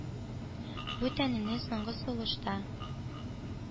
Бу тәнемне соңгы сулышта.